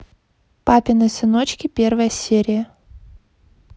папины сыночки первая серия